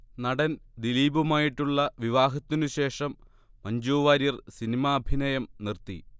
നടൻ ദിലീപുമായിട്ടുള്ള വിവാഹത്തിനു ശേഷം മഞ്ജു വാര്യർ സിനിമ അഭിനയം നിർത്തി